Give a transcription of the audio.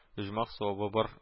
– оҗмах савабы бар